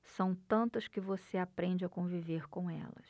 são tantas que você aprende a conviver com elas